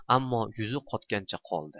ammo yuzi qotganicha qoldi